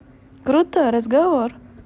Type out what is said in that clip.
крутой разговор